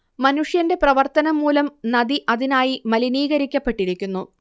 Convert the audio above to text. മനുഷ്യന്റെ പ്രവർത്തനം മൂലം നദി അതിനായി മലിനികരിക്കപ്പെട്ടിരിക്കുന്നു